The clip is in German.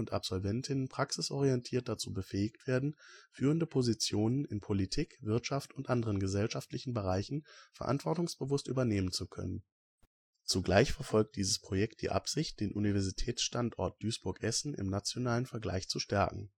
Absolvent/inn/en praxisorientiert dazu befähigt werden, führende Positionen in Politik, Wirtschaft und anderen gesellschaftlichen Bereichen verantwortungsbewusst übernehmen zu können. Zugleich verfolgt dieses Projekt die Absicht, den Universitätsstandort Duisburg-Essen im nationalen Vergleich zu stärken